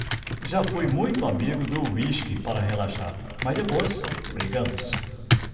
já fui muito amigo do uísque para relaxar mas depois brigamos